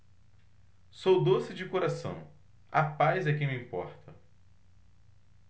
sou doce de coração a paz é que me importa